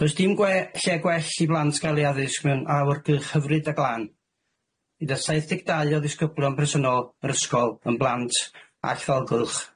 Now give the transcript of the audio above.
Does dim gwe- lle gwell i blant gael eu addysg mewn awyrgych hyfryd a glân, gyda saith deg dau o ddisgyblion bresennol yr ysgol yn blant all-ddalgylch.